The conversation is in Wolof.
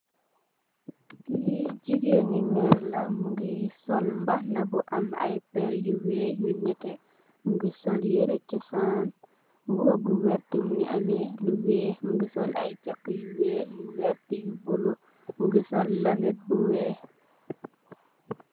Li jigeeni merr la mogi sol mbaxana bu am ay perr yu weex yu nete mogi sol yere chosan mbuba bu werta mogi ame lu weex mu sol cha bu weex bu bulo mogi sol lunet bu weex.